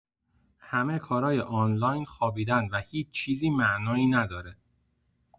همه کارای آنلاین خوابیدن و هیچ چیزی معنایی نداره.